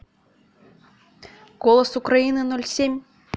голос украины ноль семь